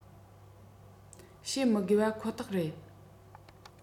བཤད མི དགོས པ ཁོ ཐག རེད